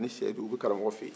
a ni sedu o bɛ karamɔgɔ fɛ yen